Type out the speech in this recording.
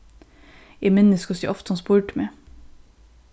eg minnist hvussu ofta hon spurdi meg